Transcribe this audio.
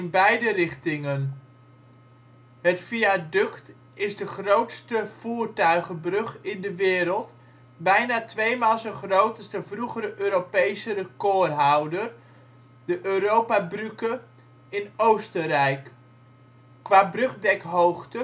beide rijrichtingen. Het viaduct is de grootste voertuigenbrug in de wereld, bijna twee maal zo groot als de vroegere Europese recordhouder, de Europabrücke in Oostenrijk. Qua brugdekhoogte